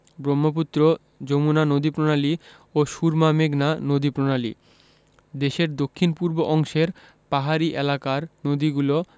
ব্রহ্মপুত্র যমুনা নদীপ্রণালী ও সুরমা মেঘনা নদীপ্রণালী দেশের দক্ষিণ পূর্ব অংশের পাহাড়ী এলাকার নদীগুলো